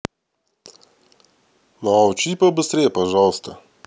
научись побыстрее пожалуйста